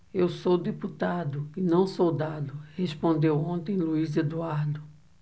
eu sou deputado e não soldado respondeu ontem luís eduardo